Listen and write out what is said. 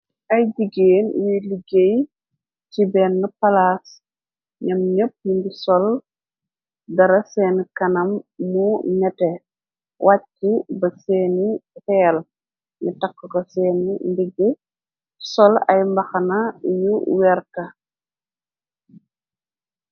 Ay digéen yuy liggéey ci benn palaas ñam ñepp yindi sol dara seen kanam mu nete wàcci ba seeni feel ni takk ko seeni ndigge sol ay mbaxana yu werta.